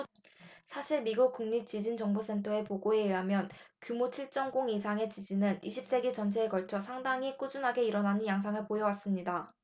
사실 미국 국립 지진 정보 센터의 보고에 의하면 규모 칠 쩜 공 이상의 지진은 이십 세기 전체에 걸쳐 상당히 꾸준하게 일어나는 양상을 보여 왔습니다